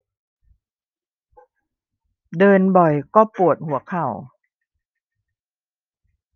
เดินบ่อยก็ปวดหัวเข่า